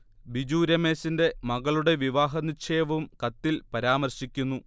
ബിജു രമേശിന്റെ മകളുടെ വിവാഹ നിശ്ഛയവും കത്തിൽ പരാമർശിക്കുന്നു